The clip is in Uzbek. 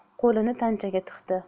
qo'lini tanchaga tiqdi